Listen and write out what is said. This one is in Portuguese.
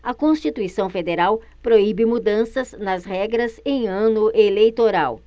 a constituição federal proíbe mudanças nas regras em ano eleitoral